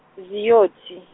ziyothi.